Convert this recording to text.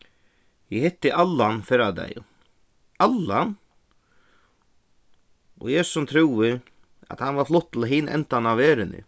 eg hitti allan fyrradagin allan og eg sum trúði at hann var fluttur til hin endan av verðini